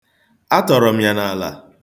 Atọrọ m ya n'ala.